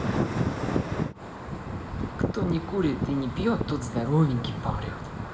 кто не курит и не пьет тот здоровеньким помрет